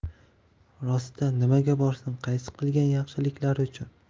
rostda nimaga borsin qaysi qilgan yaxshiliklari uchun